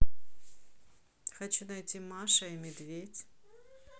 хочу найти маша и медведь